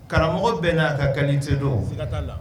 Karamɔgɔ bɛn'a ka kan tɛ don